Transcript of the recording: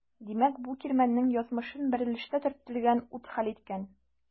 Димәк бу кирмәннең язмышын бәрелештә төртелгән ут хәл иткән.